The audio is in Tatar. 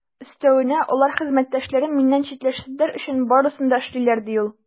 Өстәвенә, алар хезмәттәшләрем миннән читләшсеннәр өчен барысын да эшлиләр, - ди ул.